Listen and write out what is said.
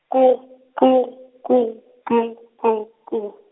kurr, kurr, kurr, kurr, kurr, kurr.